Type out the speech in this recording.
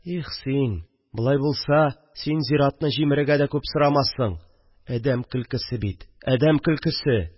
Их, син... Болай булса, син зиратны җимерергә дә күп сорамассың. Әдәм көлкесе бит, әдәм көлкесе